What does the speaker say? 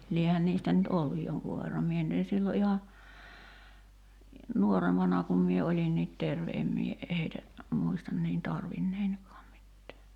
liehän niistä nyt ollut jonkun verran minä nyt en silloin ihan nuorempana kun minä olinkin terve en minä heitä muista niin tarvinneenikaan mitään